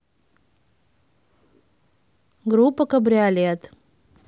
группа кабриолет